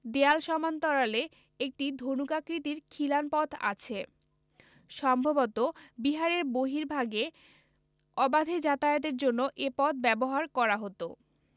দেয়াল সমান্তরালে একটি ধনুকাকৃতির খিলান পথ আছে সম্ভবত বিহারের বর্হিভাগে অবাধে যাতায়াতের জন্য এ পথ ব্যবহার করা হতো